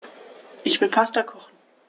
Ich will Pasta kochen.